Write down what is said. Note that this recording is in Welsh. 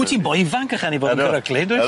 Wyt ti'n boi ifanc ychan i fod yn cwryglu yndwyt?